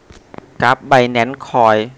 กราฟไบแนนซ์คอย